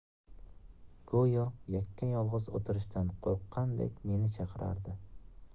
go'yo yakka yolg'iz o'tirishdan qo'rqqandek meni chaqirardi